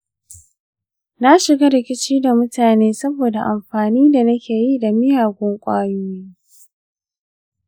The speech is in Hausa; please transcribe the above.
na shiga rikici da mutane saboda amfani da nake yi da miyagun ƙwayoyi.